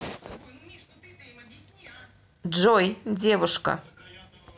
джой девушка